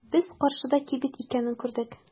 Без каршыда кибет икәнен күрдек.